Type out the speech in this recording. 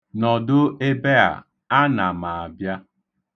Nọdo ebe a. Ana m abịa.